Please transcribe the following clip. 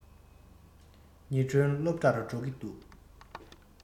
ཉི སྒྲོན སློབ གྲྭར འགྲོ གི འདུག